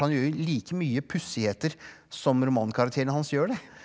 han gjør jo like mye pussigheter som romankarakterene hans gjør det.